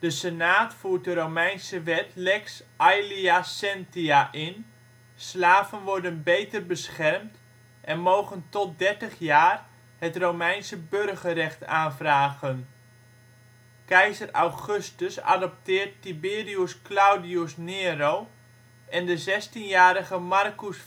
Senaat voert de Romeinse wet Lex Aelia Sentia in, slaven worden beter beschermd en mogen tot 30 jaar het Romeinse burgerrecht aanvragen. Keizer Augustus adopteert Tiberius Claudius Nero en de 16-jarige Marcus